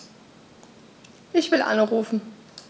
Ich will anrufen.